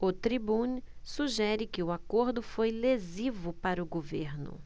o tribune sugere que o acordo foi lesivo para o governo